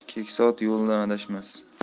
keksa ot yo'lidan adashmas